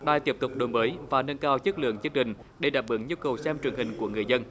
đài tiếp tục đổi mới và nâng cao chất lượng chương trình để đáp ứng nhu cầu xem truyền hình của người dân